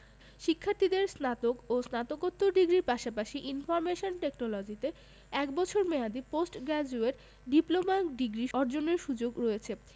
শিক্ষার্থীদের স্নাতক ও স্নাতকোত্তর ডিগ্রির পাশাপাশি ইনফরমেশন টেকনোলজিতে এক বছর মেয়াদি পোস্ট গ্রাজুয়েট ডিপ্লোমা ডিগ্রি অর্জনের সুযোগ রয়েছে